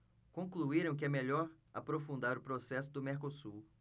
concluíram que é melhor aprofundar o processo do mercosul